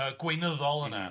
Yy gweinyddol yna.